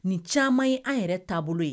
Nin caman ye an yɛrɛ taabolo ye